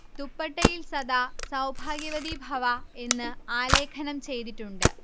ദുപ്പട്ടയിൽ സദാ സൗഭാഗ്യവതി ഭവഃ എന്ന് ആലേഖനം ചെയ്തിട്ടുണ്ട്